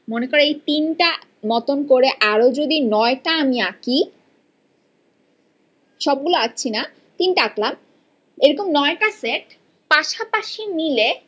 মনে করো এই তিনটা মতন আরও যদি ৯ টা আমি আঁকি সব আঁকছি না তিনটে আঁকলাম এরকম ৯ টা সেট পাশাপাশি মিলে